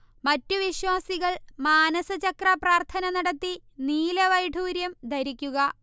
മറ്റു വിശ്വാസികൾ മാനസചക്ര പ്രാർത്ഥന നടത്തി നീലവൈഢൂര്യം ധരിക്കുക